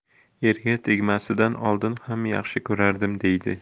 erga tegmasidan oldin ham yaxshi ko'rardim deydi